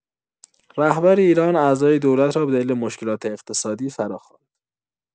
رهبر ایران اعضای دولت را به دلیل مشکلات اقتصادی فراخواند.